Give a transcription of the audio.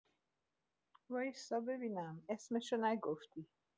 وایسا بینم اسمشو نگفتی